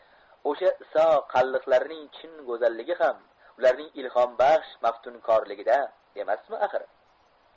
o'sha iso qalliqlarining chin go'zalligi ham ularning ilhombaxsh maftunkorligida emasmi axir